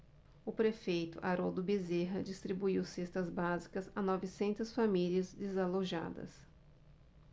o prefeito haroldo bezerra distribuiu cestas básicas a novecentas famílias desalojadas